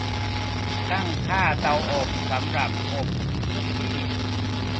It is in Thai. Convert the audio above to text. ตั้งค่าเตาอบสำหรับอบคุกกี้